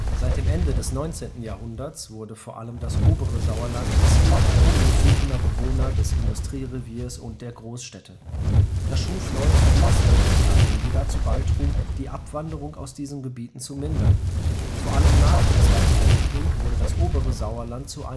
Seit dem Ende des 19. Jahrhunderts wurde vor allem das obere Sauerland Ziel erholungssuchender Bewohner des Industriereviers und der Großstädte. Das schuf neue Verdienstmöglichkeiten, die dazu beitrugen, die Abwanderung aus diesen Gebieten zu mindern. Vor allem nach dem Zweiten Weltkrieg wurde das (obere) Sauerland zu